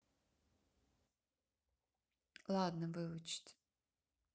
ладно выучить